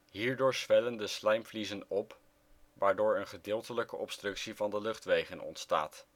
Hierdoor zwellen de slijmvliezen op waardoor een gedeeltelijke obstructie van de luchtwegen ontstaat